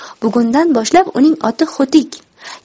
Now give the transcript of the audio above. bugundan boshlab uning oti xo'tik